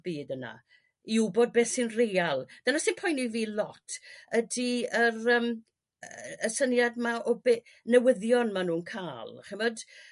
byd yna i w'bod beth sy'n real dyna sy'n poeni fi lot ydy yr yrm y y syniad 'ma o be newyddion ma' nhw'n ca'l ch'mod?